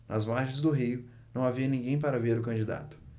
nas margens do rio não havia ninguém para ver o candidato